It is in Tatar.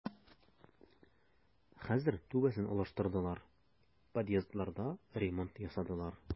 Хәзер түбәсен алыштырдылар, подъездларда ремонт ясадылар.